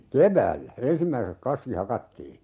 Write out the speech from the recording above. keväällä ensimmäiseksi kaski hakattiin